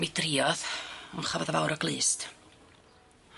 Mi driodd on chafodd o fawr o glust.